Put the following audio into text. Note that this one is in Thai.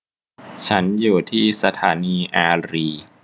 ฉันอยู่ที่สถานีอารีย์